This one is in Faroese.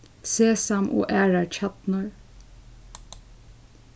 sesam og aðrar kjarnur